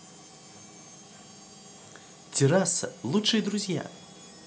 терраса лучшие друзья